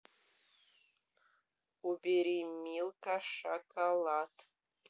убери милка шоколад